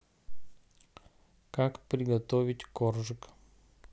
как приготовить коржик